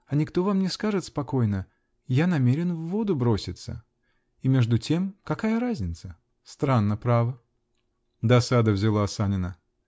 а никто вам не скажет спокойно: "Я намерен в воду броситься". И между тем -- какая разница? Странно, право. Досада взяла Санина.